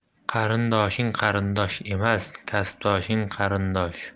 qarindoshing qarindosh emas kasbdoshing qarindosh